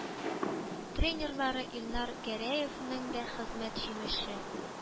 Тренерлары илнар гәрәевнең дә хезмәт җимеше.